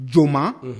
Jo ma